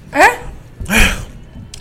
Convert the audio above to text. Ɛɛ